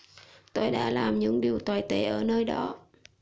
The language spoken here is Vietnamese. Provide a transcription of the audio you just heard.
tôi đã làm những điều tồi tệ ở nơi đó